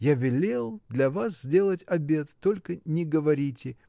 Я велел для вас сделать обед, только не говорите!”